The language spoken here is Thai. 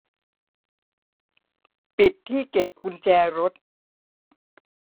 ปิดที่เก็บกุญแจรถ